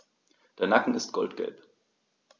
Der Nacken ist goldgelb.